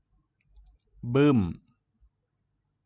บึ้ม